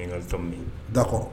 N n ka sɔ da kɔrɔ